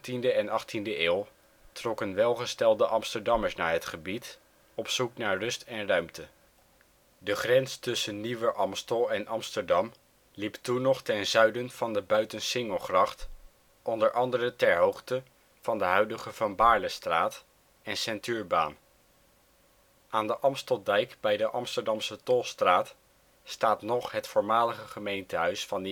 In de 17e en 18e eeuw trokken welgestelde Amsterdammers naar het gebied, op zoek naar rust en ruimte. De grens tussen Nieuwer-Amstel en Amsterdam liep toen nog ten zuiden van de Buitensingelgracht, onder andere ter hoogte van de huidige Van Baerlestraat en Ceintuurbaan. Aan de Amsteldijk bij de Amsterdamse Tolstraat staat nog het voormalige gemeentehuis van